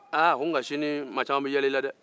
aa a ko nka sini mɔgɔ caama bɛ yɛlɛ i la dɛ